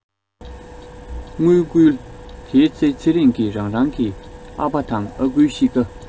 དངུལ བསྐུར དེའི ཚེ ཚེ རིང གི རང རང གི ཨ ཕ དང ཨ ཁུའི གཤིས ཀ